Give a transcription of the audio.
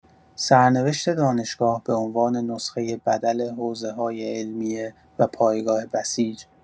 سرنوشت دانشگاه به‌عنوان نسخۀ بدل حوزه‌های علمیه و پایگاه بسیج